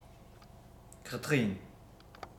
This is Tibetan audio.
ཁག ཐེག ཡིན